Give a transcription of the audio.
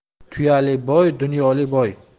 tuyali boy dunyoli boy